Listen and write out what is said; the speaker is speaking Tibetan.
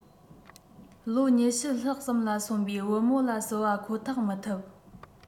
ལོ ༢༠ ལྷག ཙམ ལ སོན པའི བུ མོ ལ བསིལ བ ཁོ ཐག མི ཐུབ